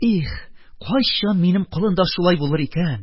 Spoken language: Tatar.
Их, кайчан минем колын да шулай булыр икән!